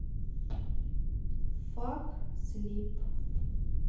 фак слип